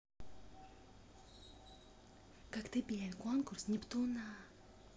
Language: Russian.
коктебель конкурс нептуна